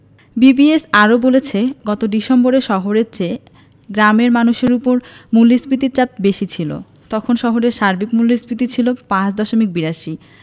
BBS আরও বলছে গত ডিসেম্বরে শহরের চেয়ে গ্রামের মানুষের ওপর মূল্যস্ফীতির চাপ বেশি ছিল তখন শহরে সার্বিক মূল্যস্ফীতি ছিল ৫ দশমিক ৮২